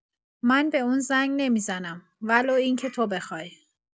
من به اون زنگ نمی‌زنم ولو اینکه تو بخوای